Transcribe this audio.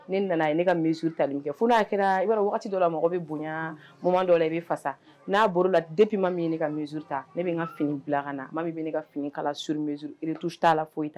Ne nana a ye ne ka mesure ta min kɛ. fo n'a kɛra i b'a dɔn waati dɔ la mɔgɔ bɛ bonya moment dɔ la i bɛ fasa n'a bɔra o la depuis Mamu ye ne ka mesure ta ne bɛ n ka fini bila ka na Mamu bɛ ne ka fini kala sur mesure retouche t'a la fosi t'a la.